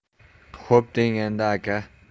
xo'p deng endi aka